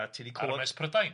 a ti di clywed armes Prydain?